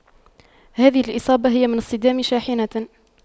هذه الإصابة هي من اصطدام شاحنة